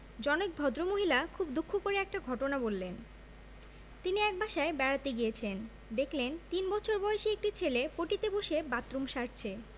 জনৈক ভদ্রমহিলা খুব দুঃখ করে একটা ঘটনা বললেন তিনি এক বাসায় বেড়াতে গিয়েছেন দেখলেন তিন বছর বয়েসী একটি ছেলে পটিতে বসে বাথরুম সারছে